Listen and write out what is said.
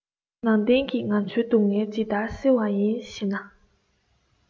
ནང བསྟན གྱིས ང ཚོའི སྡུག བསྔལ ཇི ལྟར སེལ བ ཡིན ཞེ ན